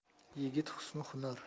yigit husni hunar